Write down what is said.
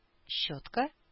Щетка